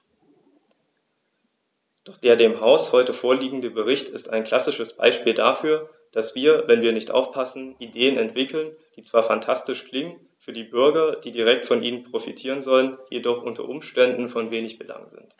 Doch der dem Haus heute vorliegende Bericht ist ein klassisches Beispiel dafür, dass wir, wenn wir nicht aufpassen, Ideen entwickeln, die zwar phantastisch klingen, für die Bürger, die direkt von ihnen profitieren sollen, jedoch u. U. von wenig Belang sind.